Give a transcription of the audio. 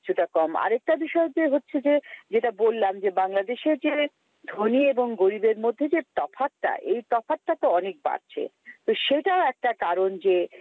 কিছুটা কম আরেকটা বিষয় হচ্ছে যেটা বললাম বাংলাদেশ সেজে ধনী এবং এজে তফাতটা এই তফাৎ তো অনেক বাড়ছে তো সেটাও একটা কারণ যে